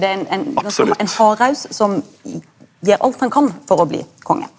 det er ein ein ein hardhaus som gjer alt han kan for å bli konge.